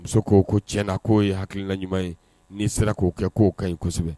Muso ko ko ti na k'o ye hakilila ɲuman ye n'i sera k'o kɛ k'o ka ɲi kosɛbɛ